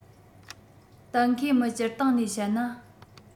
གཏན འཁེལ མི སྤྱིར བཏང ནས བཤད ན